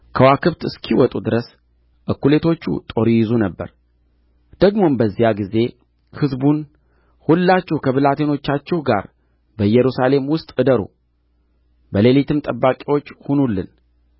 ከዋክብት እስኪወጡ ድረስ እኵሌቶቹ ጦር ይይዙ ነበር ደግሞም በዚያ ጊዜ ሕዝቡን ሁላችሁ ከብላቴኖቻችሁ ጋር በኢየሩሳሌም ውስጥ እደሩ በሌሊትም ጠባቂዎች ሁኑልን